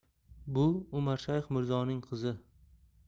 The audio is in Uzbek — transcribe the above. bu umarshayx mirzoning qizi